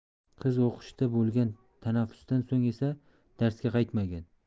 qiz o'qishda bo'lgan tanaffusdan so'ng esa darsga qaytmagan